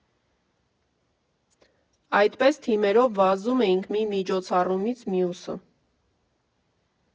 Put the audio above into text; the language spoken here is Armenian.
Այդպես թիմերով վազում էինք մի միջոցառումից մյուսը։